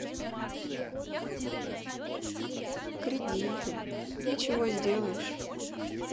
кредиты ничего сделаешь